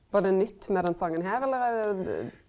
var det nytt med den songen her, eller er det ?